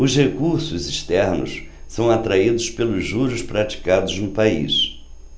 os recursos externos são atraídos pelos juros praticados no país